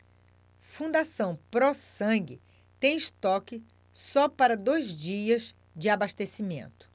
fundação pró sangue tem estoque só para dois dias de abastecimento